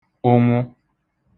ụnwụ